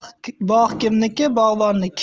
bog' kimniki bog'bonniki